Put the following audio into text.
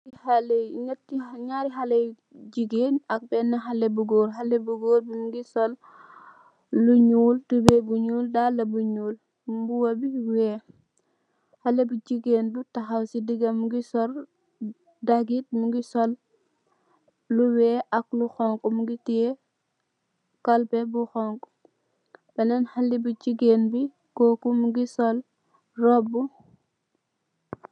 Xalé, ñaari xalé yu jigéen ak beenë xalé bu goor. Xalé bu Goor bi mu ngi sol...ñuul, tubooy bu ñuul, dallë bu ñuul, mbuba, mbuba bu weex. Jigéen bi taxaw si digga, mu ngi sol daggit, mu ngi sol lu weex ak lu xoñxu, kalpe bu rëy xoñxu. Benen xalé bu jigéen bi....